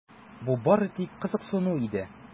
Бу бары тик кызыксыну иде.